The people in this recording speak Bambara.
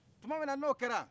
tuma min na n'o kɛra